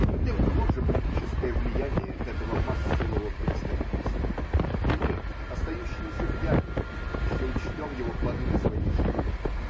Но тем глубже политическое влияние этого массового представительства, и мы, остающиеся в яме, еще учтем его плоды на своей шкуре.